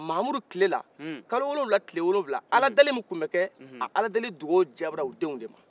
mamudu tilela kalo wolowula tile wolowula ala deli min tun bɛkɛ o ala deli dugawu jaabir'u denw dema